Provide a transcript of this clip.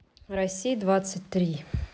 россия двадцать три